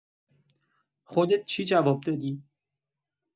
خودت چی جواب دادی؟